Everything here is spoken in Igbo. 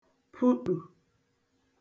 pụṭù